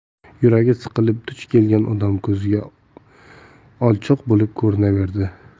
yuragi siqilib duch kelgan odam ko'ziga olchoq bo'lib ko'rinaverdi